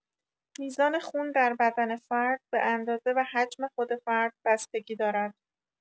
میزان خون در بدن فرد به‌اندازه و حجم خود فرد بستگی دارد.